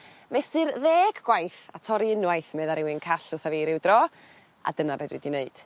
Mesur ddeg gwaith a torri unwaith medda rywun call wtha fi ryw dro a dyna be dwi 'di neud.